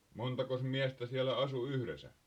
montakos miestä siellä asui yhdessä